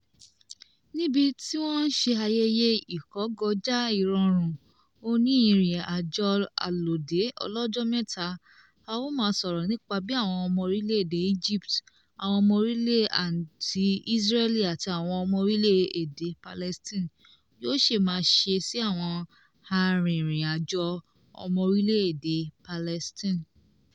Nígbà tí wọ́n ń ṣe ayẹyẹ ìkógojá ìrọ̀rùn òní ìrìn àjò àlọdé ọlọ́jọ́ mẹ́ta, a ó maa sọ̀rọ̀ nípa bí àwọn ọmọ orílẹ̀ èdè Egypt, àwọn ọmọ orílẹ̀ and Israel àti àwọn ọmọ orílẹ̀ èdè Palestine yóò ṣe máa ṣe sí àwọn arìnrìn-àjò ọmọ orílẹ̀ èdè Palestine.